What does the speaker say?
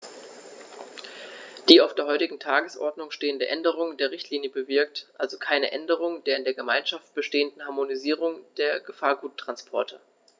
Die auf der heutigen Tagesordnung stehende Änderung der Richtlinie bewirkt also keine Änderung der in der Gemeinschaft bestehenden Harmonisierung der Gefahrguttransporte.